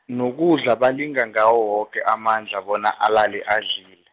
nokudla balinga ngawo woke amandla bona alale adlile.